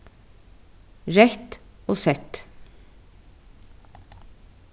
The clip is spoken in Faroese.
reytt og sett